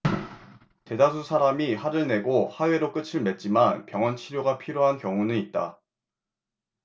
대다수 사람이 화를 내고 화해로 끝을 맺지만 병원 치료가 필요한 경우는 있다